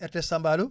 RTS Tamba allo